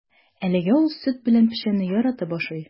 Әлегә ул сөт белән печәнне яратып ашый.